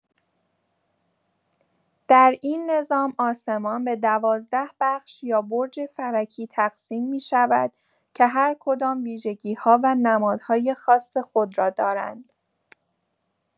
در این نظام، آسمان به دوازده بخش یا برج فلکی تقسیم می‌شود که هرکدام ویژگی‌ها و نمادهای خاص خود را دارند.